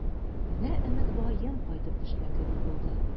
Менә Өметбаем кайтып төшкән кебек булды.